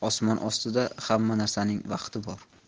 osmon ostida hamma narsaning vaqti bor